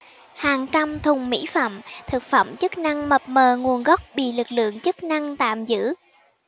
hàng trăm thùng mỹ phẩm thực phẩm chức năng mập mờ nguồn gốc bị lực lượng chức năng tạm giữ